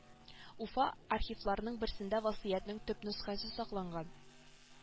Уфа архивларының берсендә васыятьнең төп нөсхәсе сакланган